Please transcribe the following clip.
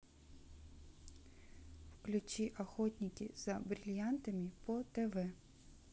включи охотники за бриллиантами по тв